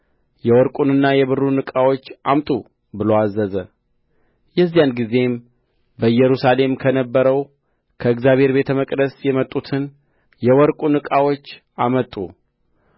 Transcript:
የወርቁንና የብሩን ዕቃዎች አምጡ ብሎ አዘዘ የዚያን ጊዜም በኢየሩሳሌም ከነበረው ከእግዚአብሔር ቤተ መቅደስ የመጡትን የወርቁን ዕቃዎች አመጡ